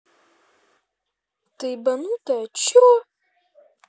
ты ебанутая че